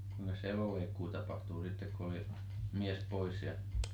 kuinkas se elonleikkuu tapahtui sitten kun oli mies pois ja